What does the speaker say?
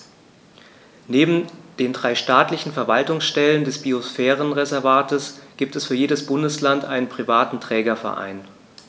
Neben den drei staatlichen Verwaltungsstellen des Biosphärenreservates gibt es für jedes Bundesland einen privaten Trägerverein.